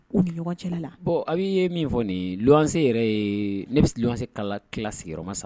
Ko ni ɲɔgɔn cɛla la a' ye min fɔ nin wanse yɛrɛ ye ne bɛ se kala ki sigiyɔrɔyɔrɔma sa